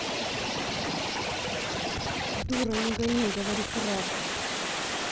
дура не гони говори правду